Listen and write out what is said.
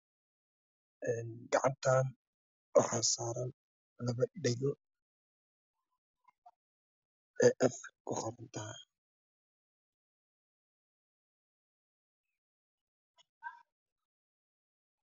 Gacantaan waxaa saaran labo dhego